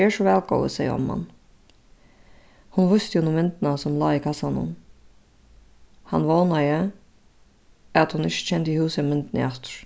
ger so væl góði segði omman hon vísti honum myndina sum lá í kassanum hann vónaði at hon ikki kendi húsið á myndini aftur